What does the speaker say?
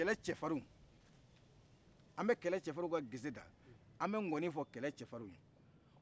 kɛlɛ cɛ farinw an bɛ kɛlɛ cɛfarinw geseda an bɛ ŋɔni fɔ kɛlɛ cɛfarinw ye